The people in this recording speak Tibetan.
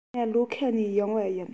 ང ལྷོ ཁ ནས ཡོང པ ཡིན